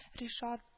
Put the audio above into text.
Ришат